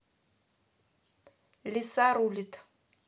лиса рулит